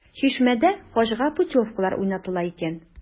“чишмә”дә хаҗга путевкалар уйнатыла икән.